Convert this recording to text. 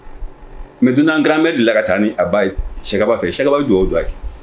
Mɛ dunankararan bɛ dilan la ka taa ni a ba ye fɛ y jɔ don aki